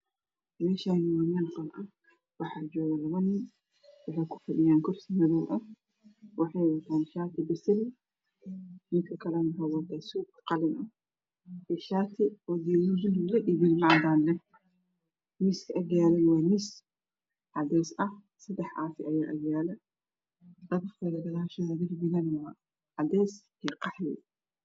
Meeshani waa meel waxaa joogo ninman waxay kufadhiyan kursi waxay wataan shaati basali